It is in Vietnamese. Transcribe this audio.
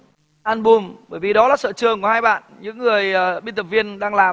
an bum bởi vì đó là sở trường của hai bạn những người biên tập viên đang làm